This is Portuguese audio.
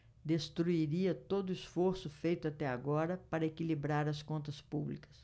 destruiria todo esforço feito até agora para equilibrar as contas públicas